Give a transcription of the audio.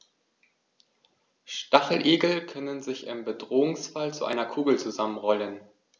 Stacheligel können sich im Bedrohungsfall zu einer Kugel zusammenrollen.